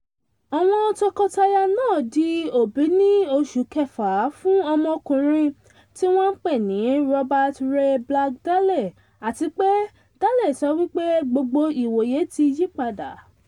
Àwọn tọkọtaya nàa di òbí ní oṣù kẹfà, fún ọmọkùnrin tí wọ́n pè ní Robert Ray Black-Daley, àtipé Daley sọ wípé “Gbogbo ìwòye” ti yípadà.